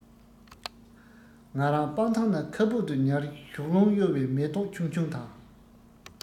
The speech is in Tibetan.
ང རང སྤང ཐང ན ཁ སྦུབ ཏུ ཉལ ཞོགས རླུང གཡོ བའི མེ ཏོག ཆུང ཆུང དང